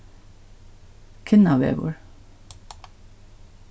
kinnavegur